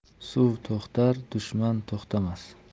suv to'xtar dushman to'xtamas